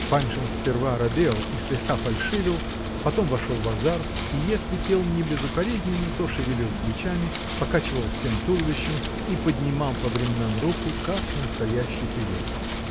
Паншин сперва робел и слегка фальшивил, потом вошел в азарт, и если пел не безукоризненно, то шевелил плечами, покачивал всем туловищем и поднимал по временам руку, как настоящий певец.